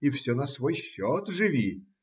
и все на свой счет живи.